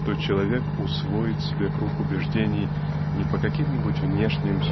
что человек усвоит себе круг убеждений не по каким-нибудь внешним